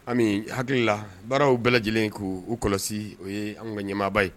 Ami n hakili la baaraw bɛɛ lajɛlen k'u kɔlɔsi o ye an ka ɲɛmaaba ye